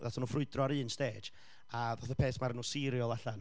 wnaethon nhw ffrwydro ar un stêj, a ddodd y peth ma' o'r enw Serial allan,